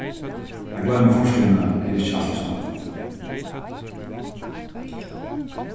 at gloyma fortíðina er ikki altíð so lætt